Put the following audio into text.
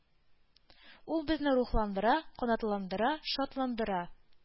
Ул безне рухландыра, канатландыра, шатландыра,